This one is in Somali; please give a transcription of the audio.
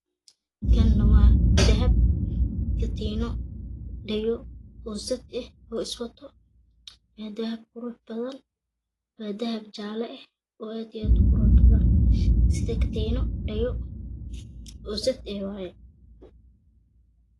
Kane waa dahab katiino dhago oo sad eh o is wato waa dahab qurux badan waa dahab jale eh oo aad iyo aad u qurux badan sida katiino dhago o sad eh waaye